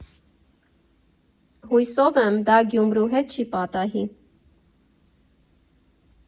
Հուսով եմ՝ դա Գյումրու հետ չի պատահի։